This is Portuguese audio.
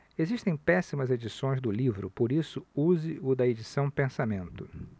existem péssimas edições do livro por isso use o da edição pensamento